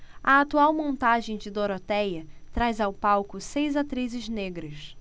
a atual montagem de dorotéia traz ao palco seis atrizes negras